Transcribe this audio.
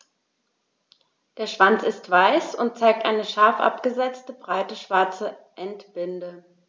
Der Schwanz ist weiß und zeigt eine scharf abgesetzte, breite schwarze Endbinde.